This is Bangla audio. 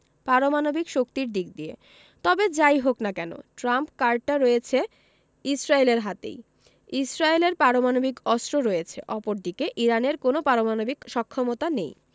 পারমাণবিক শক্তির দিক দিয়ে তবে যা ই হোক না কেন ট্রাম্প কার্ডটা রয়েছে ইসরায়েলের হাতেই ইসরায়েলের পারমাণবিক অস্ত্র রয়েছে অপরদিকে ইরানের কোনো পারমাণবিক সক্ষমতা নেই